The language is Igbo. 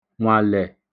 nwàlẹ̀